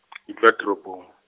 e dula toropong.